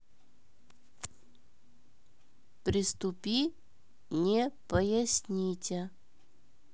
приступи не поясните